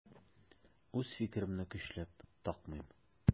Үз фикеремне көчләп такмыйм.